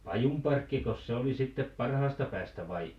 pajunparkkiko se oli sitten parhaasta päästä vai